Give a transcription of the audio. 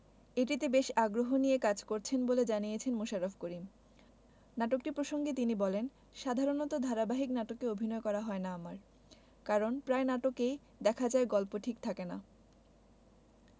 এটিতে বেশ আগ্রহ নিয়ে কাজ করছেন বলে জানিয়েছেন মোশাররফ করিম নাটকটি প্রসঙ্গে তিনি বলেন সাধারণত ধারাবাহিক নাটকে অভিনয় করা হয় না আমার কারণ প্রায় নাটকেই দেখা যায় গল্প ঠিক থাকে না